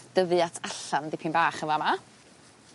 dyfu at allan dipyn bach yn fa' 'ma